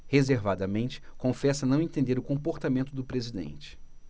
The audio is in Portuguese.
reservadamente confessa não entender o comportamento do presidente